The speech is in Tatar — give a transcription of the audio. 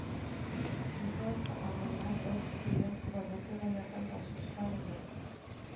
Ниһаять, котлованнан бер миллион кубометрга якын балчык чыгарылды